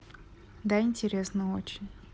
даинтересно очень